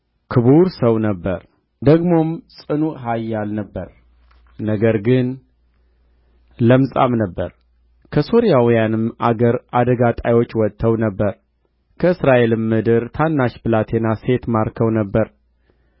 መጽሐፈ ነገሥት ካልዕ ምዕራፍ አምስት የሶርያ ንጉሥ ሠራዊት አለቃ ንዕማንም እግዚአብሔር በእርሱ እጅ ለሶርያ ደኅንነትን ስለ ሰጠ በጌታው ዘንድ ታላቅ